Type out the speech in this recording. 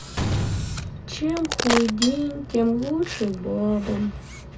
чем хуй день тем лучше бабам